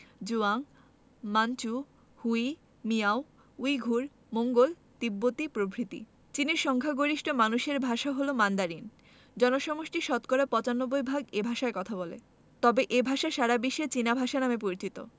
Zhuang Manchu Hui Miao Uyghur Mongol তিব্বতি প্রভৃতি চীনের সংখ্যাগরিষ্ঠ মানুষের ভাষা হলো মান্দারিন জনসমষ্টির শতকরা ৯৫ ভাগ এ ভাষায় কথা বলে তবে এ ভাষা সারা বিশ্বে চীনা ভাষা নামে পরিচিত